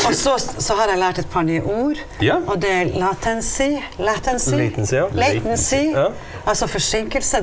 også så har jeg lært et par nye ord og det er altså forsinkelse.